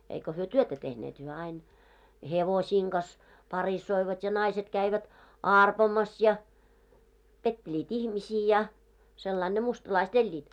eikä he työtä tehneet he aina hevosten kanssa parissoivat ja naiset kävivät arpomassa ja pettelivät ihmisiä ja sillä lailla ne mustalaiset elivät